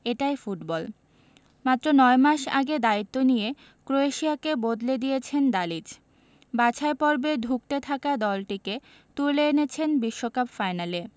মাত্র ৯ মাস আগে দায়িত্ব নিয়ে ক্রোয়েশিয়াকে বদলে দিয়েছেন দালিচ বাছাই পর্বে ধুঁকতে থাকা দলটিকে তুলে এনেছেন বিশ্বকাপ ফাইনালে